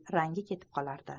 rangi ketib qolar edi